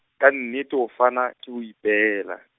ka nnete ho fana, ke ho ipeela.